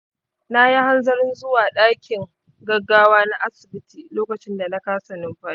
na yi hanzarin zuwa ɗakin gaggawa na asibiti lokacin da na kasa numfashi.